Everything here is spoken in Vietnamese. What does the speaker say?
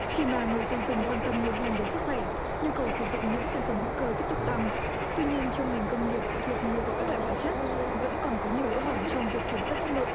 khi mà người tiêu dùng quan tâm nhiều hơn đến sức khỏe nhu cầu sử dụng những sản phẩm hữu cơ tiếp tục tăng tuy nhiên trong ngành công nghiệp phụ thuộc nhiều vào các loại hóa chất vẫn còn có nhiều lỗ hổng trong việc kiểm soát chất lượng